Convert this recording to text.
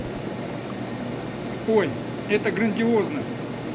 ой это грандиозно